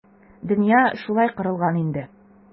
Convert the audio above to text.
Дөнья шулай корылган инде.